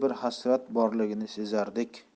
bir hasrat borligini sezardik